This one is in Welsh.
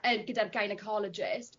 yy gyda'r gynecologist